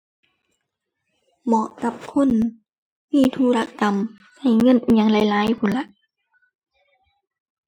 เหมาะกับคน มีธุรกรรมใช้เงินอิหยังหลายหลายพู้นล่ะ